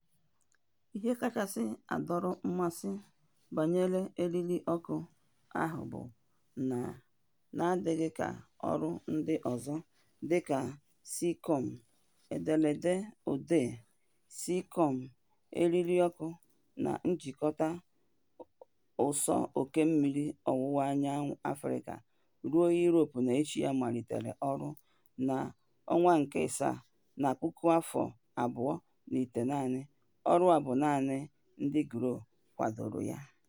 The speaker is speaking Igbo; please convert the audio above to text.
Ihe kacha adọrọ mmasị banyere eririọkụ ahụ bụ na n'adịghị ka ọrụ ndị ọzọ dịka Seacom [Ederede Odee: Seacom, eririọkụ na-ejikọta ụsọ oké osimiri ọwụwaanyanwụ Afrịka ruo Europe na Asia, malitere ọrụ na Julaị 2009], ọrụ a bụ naanị ndị Glo kwadoro ya.